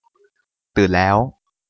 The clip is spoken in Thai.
ตื่นแล้ว